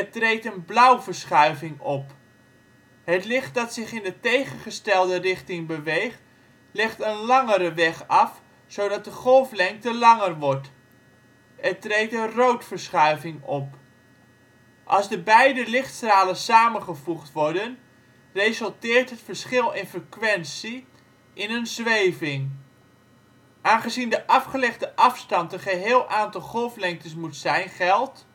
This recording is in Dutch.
treedt een blauwverschuiving op. Het licht dat zich in de tegengestelde richting beweegt, legt een langere weg af, zodat de golflengte langer wordt. Er treedt een roodverschuiving op. Als de beide lichtstralen samengevoegd worden, resulteert het verschil in frequentie in een zweving. Aangezien de afgelegde afstand een geheel aantal golflengtes moet zijn, geldt